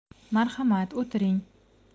marhamat o'tiring